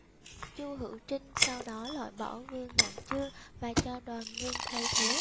chu hữu trinh sau đó loại bỏ vương ngạn chương và cho đoàn ngưng thay thế